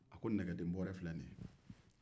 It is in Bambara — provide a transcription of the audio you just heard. a ko nɛgɛdenbɔrɛ filɛ nin ye